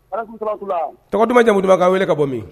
Tɔgɔjaba' wele ka bɔ min